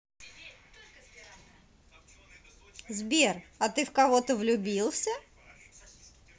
сбер а ты в когото влюбился